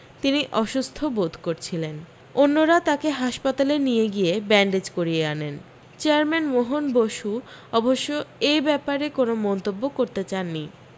তিনি অসুস্থ বোধ করছিলেন অন্যরা তাকে হাসপাতালে নিয়ে গিয়ে ব্যাণডেজ করিয়ে আনেন চেয়ারম্যান মোহন বসু অবশ্য এ ব্যাপারে কোনও মন্তব্য করতে চাননি